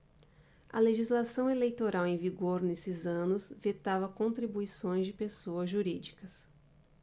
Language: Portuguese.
a legislação eleitoral em vigor nesses anos vetava contribuições de pessoas jurídicas